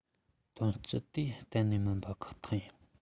དོན སྤྱི དེ གཏན ནས མིན པ ཁག ཐག ཡིན